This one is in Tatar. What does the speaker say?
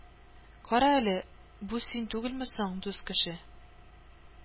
Кара әле, бу син түгелме соң, дус кеше